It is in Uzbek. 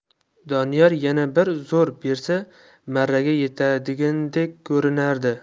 doniyor yana bir zo'r bersa marraga yetadigandek ko'rinardi